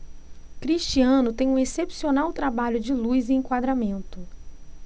cristiano tem um excepcional trabalho de luz e enquadramento